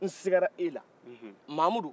n sigara e la mamudu